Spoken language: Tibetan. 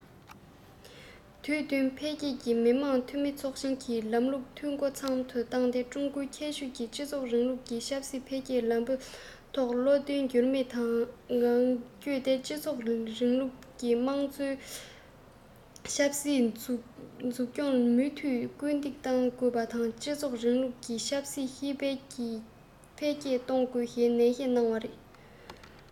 དུས བསྟུན འཕེལ རྒྱས ཀྱིས མི དམངས འཐུས མི ཚོགས ཆེན གྱི ལམ ལུགས འཐུས སྒོ ཚང དུ བཏང སྟེ ཀྲུང གོའི ཁྱད ཆོས ཀྱི སྤྱི ཚོགས རིང ལུགས ཀྱི ཆབ སྲིད འཕེལ རྒྱས ལམ བུའི ཐོག བློ བརྟན འགྱུར མེད ངང བསྐྱོད དེ སྤྱི ཚོགས རིང ལུགས ཀྱི དམངས གཙོ ཆབ སྲིད འཛུགས སྐྱོང ལ མུ མཐུད སྐུལ འདེད གཏོང དགོས པ དང སྤྱི ཚོགས རིང ལུགས ཀྱི ཆབ སྲིད ཤེས དཔལ འཕེལ རྒྱས གཏོང དགོས ཞེས ནན བཤད གནང བ རེད